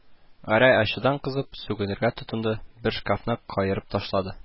Гәрәй ачудан кызып, сүгенергә тотынды, бер шкафны каерып ташлады